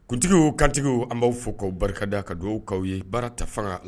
Kuntigi kantigiw an b'a fɔ ka barika da ka dugawu' ye baara ta fanga la